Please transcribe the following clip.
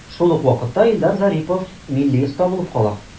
Шул ук вакытта Илдар Зарипов милли оста булып кала.